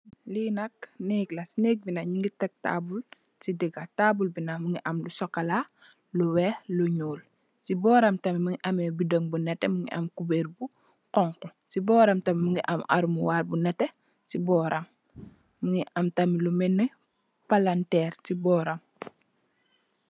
Li nak neeg la si neeg bi nak nyungi tek tabul si diga tabul bu nak mogi am lu chocola lu weex lu nuul si boram tam mongi ame bidong bu neteh mongi ame kuber bu xonxu si boram tam mongi am almuwar bu neteh si boram mongi am tam lu melni palanterr si boram.